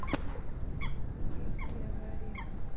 жесткие аварии